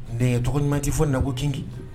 Denkɛ tɔgɔ ɲuman tɛ fɔ nakɔ kinigin